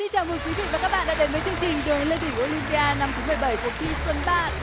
xin chào mừng quý vị và các bạn đã đến với chương trình đường lên đỉnh ô lim pi a năm thứ mười bảy cuộc thi tuần ba